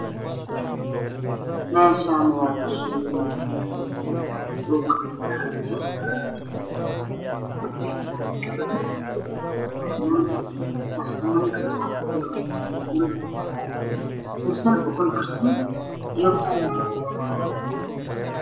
Meeshan ha iga muuqda kookar lagu kariyey cunto sida ukun kalarkeedu yahay caddaan iyo cunto karo oo ka